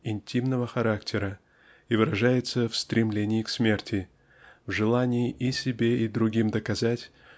интимного характера и выражается в стремлении к смерти в желании и себе и другим доказать